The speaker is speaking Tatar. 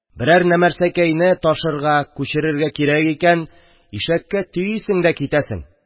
Берәр нәмәрсәкәй ташырга, күчерергә кирәк икән, ишәккә төйисең дә китәсең.